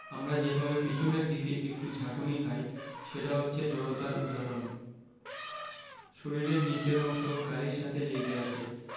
আমরা যেভাবে পেছনের দিকে একটি ঝাঁকুনি খাই সেটা হচ্ছে জড়তার উদাহরণ শরীরের নিচের অংশ গাড়ির সাথে লেগে আছে